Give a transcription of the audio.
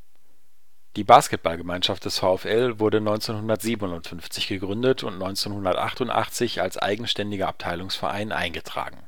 Die Basketballgemeinschaft des VfL wurde 1957 gegründet und 1988 als eigenständiger Abteilungsverein eingetragen